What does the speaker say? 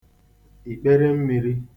ìkperemmīrī